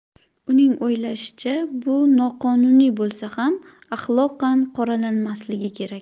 uning o'ylashicha bu noqonuniy bo'lsa ham axloqan qoralanmasligi kerak